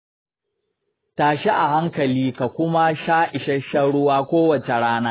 tashi a hankali ka kuma sha isasshen ruwa kowace rana.